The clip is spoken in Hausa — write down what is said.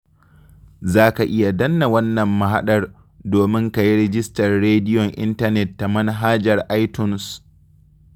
Za ka iya danna wannan mahaɗar domin ka yi rijistar rediyon intanet ta manhajar iTunes.